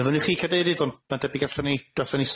Yy fyny chi cadeirydd ond ma'n debyg allwn ni gallwn ni